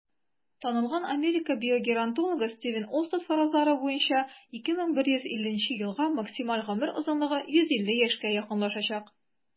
Танылган Америка биогеронтологы Стивен Остад фаразлары буенча, 2150 елга максималь гомер озынлыгы 150 яшькә якынлашачак.